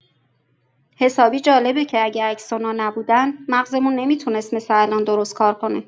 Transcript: حسابی جالبه که اگه اکسون‌ها نبودن، مغزمون نمی‌تونست مثل الان درست‌کار کنه.